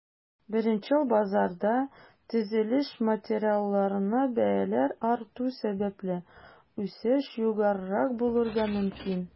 Беренчел базарда, төзелеш материалларына бәяләр арту сәбәпле, үсеш югарырак булырга мөмкин.